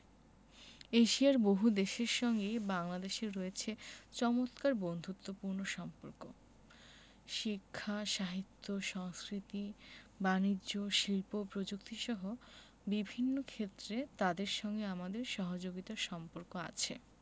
এশিয়ার বহুদেশের সঙ্গেই বাংলাদেশের রয়েছে চমৎকার বন্ধুত্বপূর্ণ সম্পর্ক শিক্ষা সাহিত্য সংস্কৃতি বানিজ্য শিল্প প্রযুক্তিসহ বিভিন্ন ক্ষেত্রে তাদের সঙ্গে আমাদের সহযোগিতার সম্পর্ক আছে